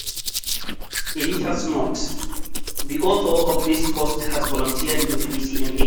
Editor's note: The author of this post has volunteered with DCMA.